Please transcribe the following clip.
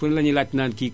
ku ne la ñuy laaj naan kii